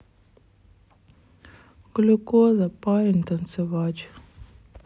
глюкоза парень танцевач